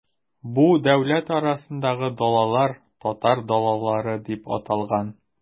Бу дәүләт арасындагы далалар, татар далалары дип аталган.